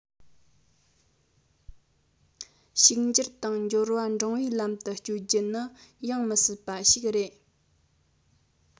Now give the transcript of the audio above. ཕྱུག འགྱུར དང འབྱོར བ འབྲིང བའི ལམ དུ བསྐྱོད རྒྱུ ནི ཡོང མི སྲིད པ ཞིག རེད